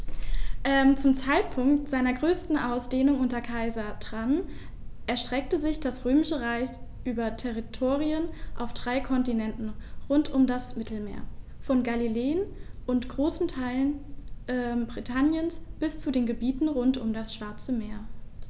Zum Zeitpunkt seiner größten Ausdehnung unter Kaiser Trajan erstreckte sich das Römische Reich über Territorien auf drei Kontinenten rund um das Mittelmeer: Von Gallien und großen Teilen Britanniens bis zu den Gebieten rund um das Schwarze Meer.